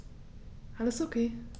Alles OK.